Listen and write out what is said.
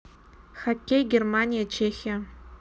хоккей германия чехия